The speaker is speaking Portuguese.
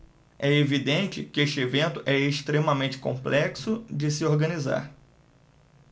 é evidente que este evento é extremamente complexo de se organizar